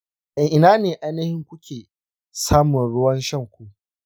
a ina ne ainihi kuke samun ruwan shanku?